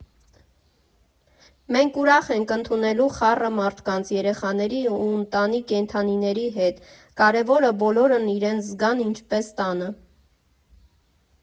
Մենք ուրախ ենք ընդունելու խառը մարդկանց՝ երեխաների ու ընտանի կենդանիների հետ, կարևորը բոլորն իրենց զգան ինչպես տանը»։